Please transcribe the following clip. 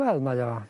Wel mae o